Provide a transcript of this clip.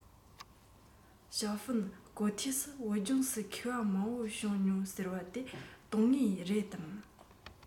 ཞའོ ཧྥུང གོ ཐོས སུ བོད ལྗོངས སུ མཁས པ མང པོ བྱུང མྱོང ཟེར བ དེ དོན དངོས རེད དམ